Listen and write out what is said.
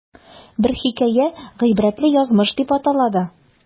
Бер хикәя "Гыйбрәтле язмыш" дип атала да.